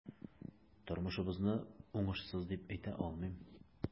Тормышыбызны уңышсыз дип әйтә алмыйм.